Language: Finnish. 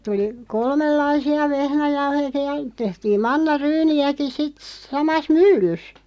tuli kolmenlaisia vehnäjauhojakin ja tehtiin mannaryyniäkin sitten samassa myllyssä